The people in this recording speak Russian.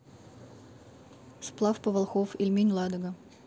сплав по волхов ильмень ладога